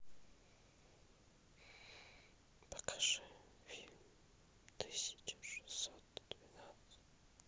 покажи фильм тысяча шестьсот двенадцать